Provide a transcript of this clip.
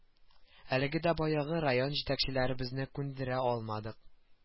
Әлеге дә баягы район җитәкчеләребезне күндерә алмадык